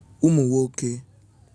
ụmụ̀ nwoke